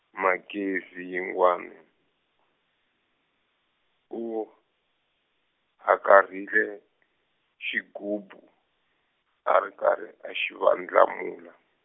Magezi Yingwani u hakarhile xigubu a ri karhi a xi vandlamula.